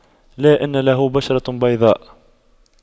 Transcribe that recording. لا ان له بشرة بيضاء